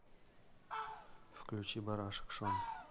включи барашек шон